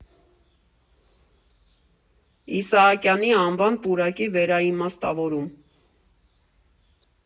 ԻՍԱՀԱԿՅԱՆԻ ԱՆՎԱՆ ՊՈՒՐԱԿԻ ՎԵՐԱԻՄԱՍՏԱՎՈՐՈՒՄ։